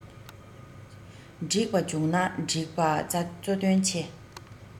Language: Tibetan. འགྲིག པ བྱུང ན འགྲིགས པ གཙོ དོན ཆེ